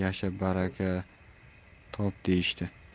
yasha baraka top deyishdi